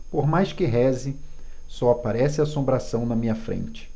por mais que reze só aparece assombração na minha frente